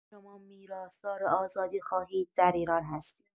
شما میراث‌دار آزادی‌خواهی در ایران هستید.